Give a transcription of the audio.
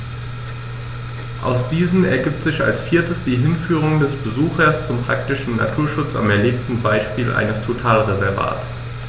Aus diesen ergibt sich als viertes die Hinführung des Besuchers zum praktischen Naturschutz am erlebten Beispiel eines Totalreservats.